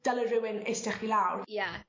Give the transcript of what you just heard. dyle rywun iste chdi lawr. Ia.